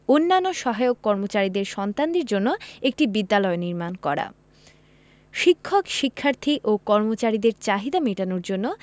অন্যান্য সহায়ক কর্মচারীদের সন্তানদের জন্য একটি বিদ্যালয় নির্মাণ করা শিক্ষক শিক্ষার্থী ও কর্মচারীদের চাহিদা মেটানোর জন্য